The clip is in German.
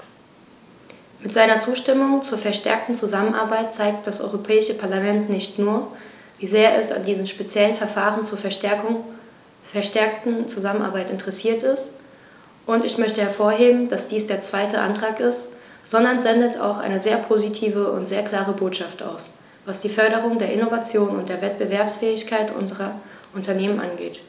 Mit seiner Zustimmung zur verstärkten Zusammenarbeit zeigt das Europäische Parlament nicht nur, wie sehr es an diesem speziellen Verfahren zur verstärkten Zusammenarbeit interessiert ist - und ich möchte hervorheben, dass dies der zweite Antrag ist -, sondern sendet auch eine sehr positive und sehr klare Botschaft aus, was die Förderung der Innovation und der Wettbewerbsfähigkeit unserer Unternehmen angeht.